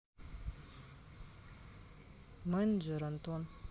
менеджер антон